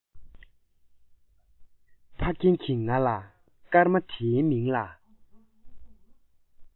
ཕ རྒན གྱིས ང ལ སྐར མ དེའི མིང ལ